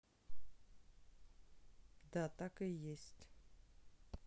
да так и есть